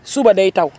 suba day taw